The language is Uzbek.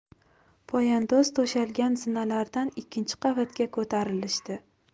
poyandoz to'shalgan zinalardan ikkinchi qavatga ko'tarilishdi